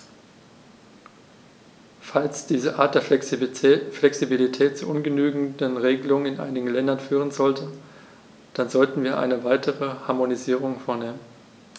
Falls diese Art der Flexibilität zu ungenügenden Regelungen in einigen Ländern führen sollte, dann sollten wir eine weitere Harmonisierung vornehmen.